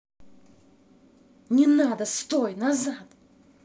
не надо стой назад